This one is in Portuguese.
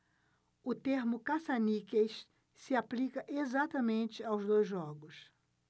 o termo caça-níqueis se aplica exatamente aos dois jogos